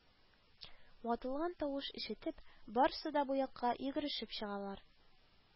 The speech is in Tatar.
Ватылган тавыш ишетеп, барысы да бу якка йөгерешеп чыгалар